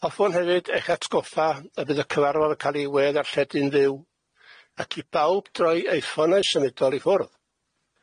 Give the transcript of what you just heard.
Hoffwn hefyd eich atgoffa y bydd y cyfarfod yn ca'l ei wedd arddalledy'n fyw ac i bawb droi eu ffonau symudol i ffwrdd.